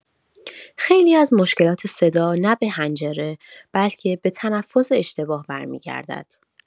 خیلی از مشکلات صدا، نه به حنجره، بلکه به تنفس اشتباه برمی‌گردد.